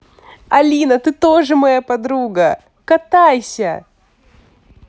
алина ты тоже моя подруга катайся